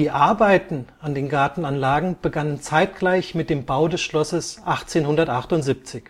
Arbeiten an den Gartenanlagen begannen zeitgleich mit dem Bau des Schlosses 1878. Der